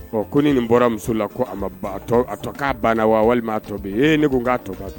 Ɔ ko ni nin bɔra muso la ko a man ban a tɔ k'a ban na wa walima a tɔ bɛ ye ee ne ko k'a to bɛ ye